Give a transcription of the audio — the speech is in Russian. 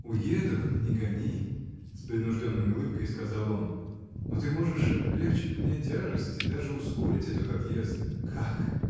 — Уеду, не гони, — с принужденной улыбкой сказал он, — но ты можешь облегчить мне тяжесть и даже ускорить этот отъезд. — Как?